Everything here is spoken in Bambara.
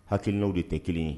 Hakiinaw de tɛ kelen ye